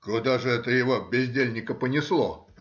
— Куда же это его, бездельника, понесло?